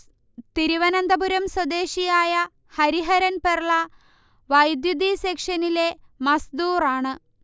തിരുവനന്തപുരം സ്വദേശിയായ ഹരിഹരൻ പെർള വൈദ്യുതി സെക്ഷനിലെ മസ്ദൂർ ആണ്